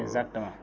exactement